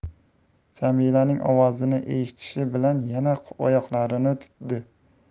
jamilaning ovozini eshitishi bilan yana oyoqlarini tutdi